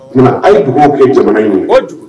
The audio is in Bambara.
O tuma a ye dugawu kɛ jamana ɲini